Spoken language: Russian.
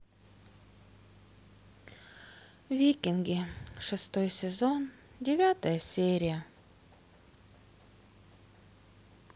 викинги шестой сезон девятая серия